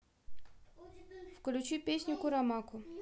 включи песню курамаку